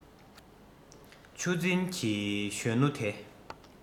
ཆུ འཛིན གྱི གཞོན ནུ དེ